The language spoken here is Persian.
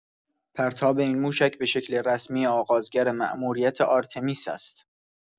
پرتاب این موشک به شکل رسمی آغازگر ماموریت آرتمیس است.